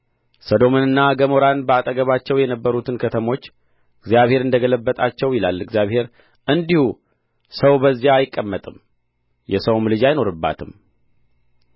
ሰዶምንና ገሞራን በአጠገባቸውም የነበሩትን ከተምች እግዚአብሔር እንደ ገለበጣቸው ይላል እግዚአብሔር እንዲሁ ሰው በዚያ አይቀመጥም የሰውም ልጅ አይኖርባትም